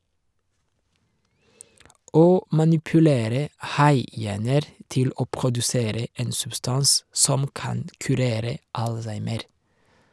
Å manipulere haihjerner til å produsere en substans som kan kurere Alzheimer.